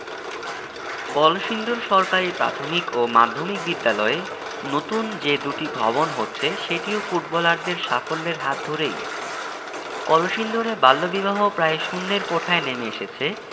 কলসিন্দুর সরকারি প্রাথমিক ও মাধ্যমিক বিদ্যালয়ে নতুন যে দুটি ভবন হচ্ছে সেটিও ফুটবলারদের সাফল্যের হাত ধরেই কলসিন্দুরে বাল্যবিবাহ প্রায় শূন্যের কোঠায় নেমে এসেছে